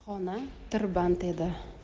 xona tirband edi